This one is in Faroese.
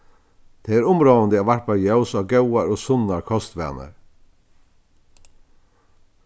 tað er umráðandi at varpa ljós á góðar og sunnar kostvanar